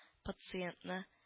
Пациентны